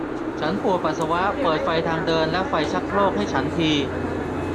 ฉันปวดปัสสาวะเปิดไฟทางเดินและไฟชักโครกให้ฉันที